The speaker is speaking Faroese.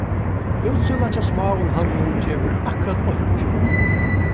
útsøla hjá smáum handlum gevur akkurát einki